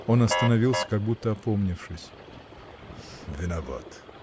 Он остановился, как будто опомнившись. — Виноват!